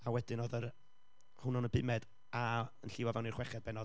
A wedyn, oedd yr hwnnw'n y bumed, a yn llifo fewn i'r chweched pennod,